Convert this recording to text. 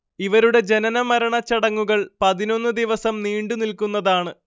ഇവരുടെ ജനനമരണച്ചടങ്ങുകൾ പതിനൊന്ന് ദിവസം നീണ്ടു നില്ക്കുന്നതാണ്